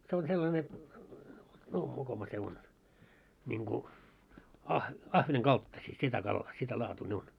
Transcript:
se on sellainen no mokoma se on niin kuin - ahvenen kaltaisia sitä kalaa sitä laatua ne on